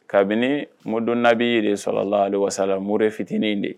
Kabini sɔla laahu alaihi wa salim mure ficiini de ye.